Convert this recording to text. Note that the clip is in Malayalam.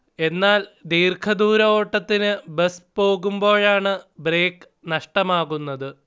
എന്നാൽ ദീർഘദൂര ഓട്ടത്തിന് ബസ് പോകുമ്പോഴാണ് ബ്രേക്ക് നഷ്ടമാകുന്നത്